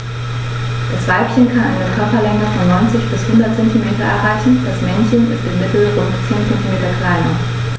Das Weibchen kann eine Körperlänge von 90-100 cm erreichen; das Männchen ist im Mittel rund 10 cm kleiner.